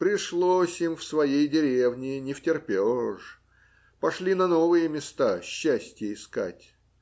Пришлось им в своей деревне невтерпеж; пошли на новые места счастья искать.